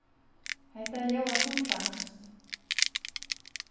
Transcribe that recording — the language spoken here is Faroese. hetta ljóðar sum franskt